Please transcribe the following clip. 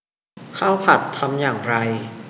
ข้าวผัดทำอย่างไร